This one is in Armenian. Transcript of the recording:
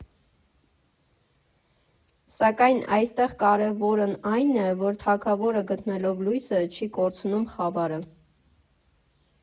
Սակայն այստեղ կարևորն այն է, որ թագավորը գտնելով լույսը՝ չի կորցնում խավարը։